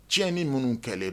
Tiɲɛɲɛn ni minnu kɛlen don